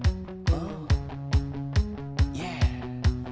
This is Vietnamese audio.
ố dè